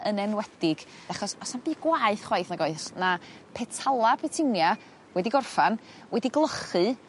yn enwedig achos o's 'na'm byd gwaeth chwaith nag oes na petala petunia wedi gorffan wedi glychu